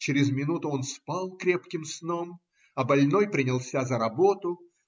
Через минуту он спал крепким сном, а больной принялся за работу.